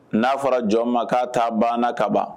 N'a fɔra jɔn man k'a ta baana ka ban